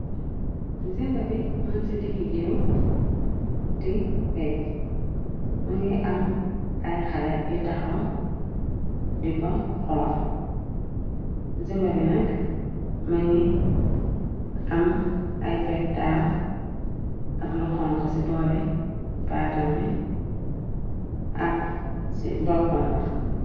zimba bi mën ci diggigéew di pécc më ngi am ay xalé yi taxaw di ko xoor zimba bi nakk më ngi am ay péttaaw ak lu xonk ci boori baatam bi ak ci boppam bi